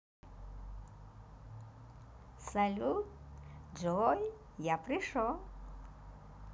салют джой я пришел